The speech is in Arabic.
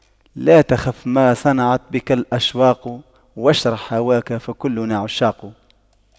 لا تخف ما صنعت بك الأشواق واشرح هواك فكلنا عشاق